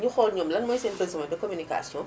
ñu xool ñoom lan mooy seen besoin de communication